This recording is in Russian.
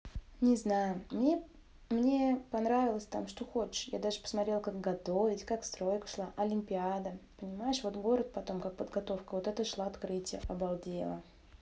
не знаю мне мне понравилось там что хочешь я даже посмотрела как готовить как стройка шла олимпиада понимаешь вот город потом как подготовка вот это шла открытие обалдело